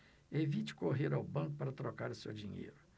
evite correr ao banco para trocar o seu dinheiro